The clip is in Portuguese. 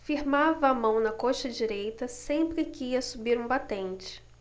firmava a mão na coxa direita sempre que ia subir um batente